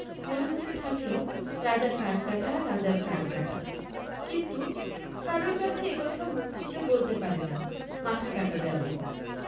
মনে হতে লাগল রাজার কান কাটা রাজার কান কাটা কিন্তু কারুর কাছে এ কথা মুখ ফুটে বলতে পারে না মাথা কাটা যাবে